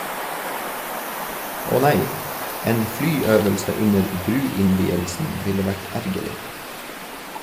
Åh nei, en flyøvelse under bruinnvielsen ville vært ergerlig.